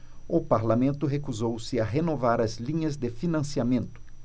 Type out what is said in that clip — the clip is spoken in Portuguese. o parlamento recusou-se a renovar as linhas de financiamento